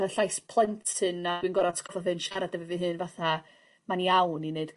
y llais plentyn 'na dwi'n gor'o' atgoffa fy hun siarad efo fy hun fatha mae'n iawn i neud